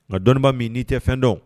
Nka dɔnnibaa min n'i tɛ fɛn dɔn